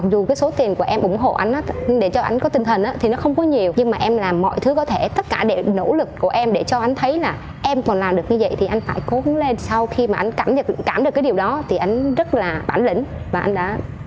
mặc dù với số tiền của em ủng hộ anh đó đế cho ảnh có tinh thần thì không có nhiều nhưng mà em làm mọi thứ có thể tất cả để nỗ lực của em để cho anh thấy là em còn làm được như vậy thì anh phải cố gắng lên sau khi mà anh cảm nhận cảm được cái điều đó thì anh rất là bản lĩnh và anh đã